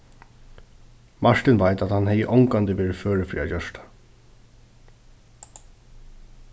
martin veit at hann hevði ongantíð verið førur fyri at gjørt tað